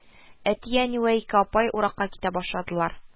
Әти, әни вә ике апай уракка китә башладылар